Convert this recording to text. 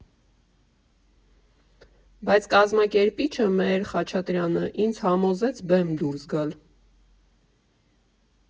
Բայց կազմակերպիչը՝ Մհեր Խաչատրյանը, ինձ համոզեց բեմ դուրս գալ։